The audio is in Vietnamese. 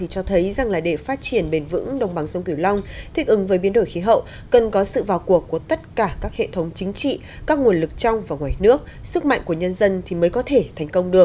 thì cho thấy rằng là để phát triển bền vững đồng bằng sông cửu long thích ứng với biến đổi khí hậu cần có sự vào cuộc của tất cả các hệ thống chính trị các nguồn lực trong và ngoài nước sức mạnh của nhân dân thì mới có thể thành công được